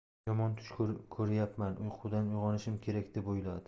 yomon tush ko'ryapman uyqudan uyg'onishim kerak deb o'yladi